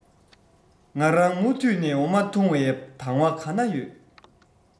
ང རང མུ མཐུད ནས འོ མ འཐུང བའི དང བ ག ན ཡོད